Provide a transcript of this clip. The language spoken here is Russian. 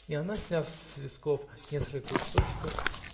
И она сняла с весков несколько кусочков.